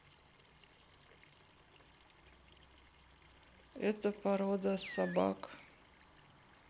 это порода собак